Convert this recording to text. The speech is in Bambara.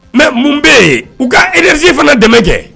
Mɛ mun bɛ yen u ka irrezsi fana dɛmɛ kɛ